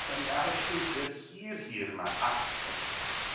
'dan ni ar y llwybr hir hir 'ma at y